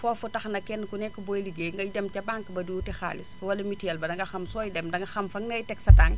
foofu tax na kenn ku nekk booy ligéey ngay dem ca banque ba di wuti xaalis wala mutuel ba la nga xam sooy dem danga xam fan ngay teg sa tànk